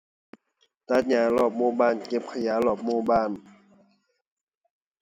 ตัดหญ้ารอบหมู่บ้าน เก็บขยะรอบหมู่บ้าน